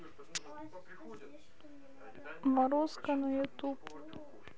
морозко на ютуб